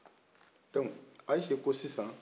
donc ayise ko sisan